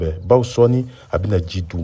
bawo sɔɔni a bɛna ji di u ma